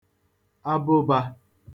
abụbā